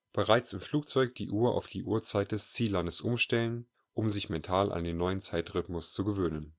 Bereits im Flugzeug die Uhr auf die Uhrzeit des Ziellandes umstellen, um sich mental an den neuen